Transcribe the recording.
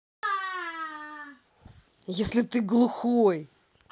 если ты глухой